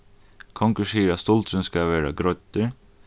kongur sigur at stuldurin skal verða greiddur